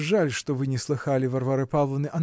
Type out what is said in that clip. жаль, что вы не слыхали Варвары Павловны.